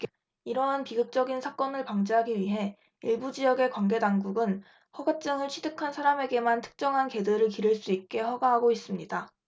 이러한 비극적인 사건을 방지하기 위해 일부 지역의 관계 당국은 허가증을 취득한 사람에게만 특정한 개들을 기를 수 있게 허가하고 있습니다